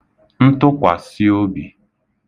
ntụkwàsịobì